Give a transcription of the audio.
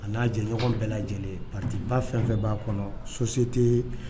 A n'a jɛɲɔgɔn bɛɛ lajɛlen partis ba fɛn o fɛn b'a kɔnɔ société